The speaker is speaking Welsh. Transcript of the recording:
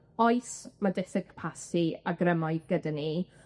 Oes, ma' diffyg capasiti a grymoedd gyda ni